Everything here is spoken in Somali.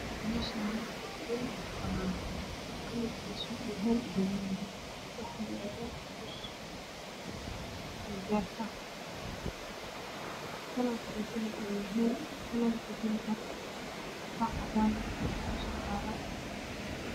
Meshan waa dhul banan ah kalarkisu yahay kalardameeri ah waxa yaalo bir o dahmankalarkisu yahay kalar dahabi ah bac cadan ah ayaameesha tasho